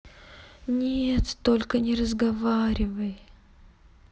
нет только не разговаривай